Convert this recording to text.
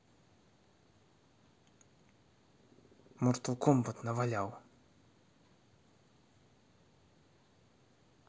mortal kombat навалял